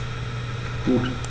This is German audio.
Gut.